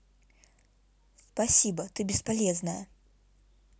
спасибо ты бесполезная